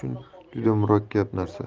uchun juda murakkab narsa